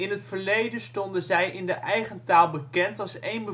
het verleden stonden zij in de eigen taal bekend als één